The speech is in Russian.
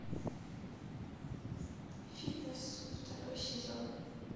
фитнес второй сезон